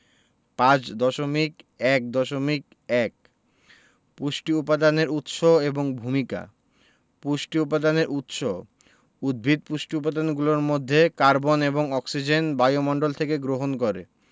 ৫.১.১ পুষ্টি উপাদানের উৎস এবং ভূমিকা পুষ্টি উপাদানের উৎস উদ্ভিদ পুষ্টি উপাদানগুলোর মধ্যে কার্বন এবং অক্সিজেন বায়ুমণ্ডল থেকে গ্রহণ করে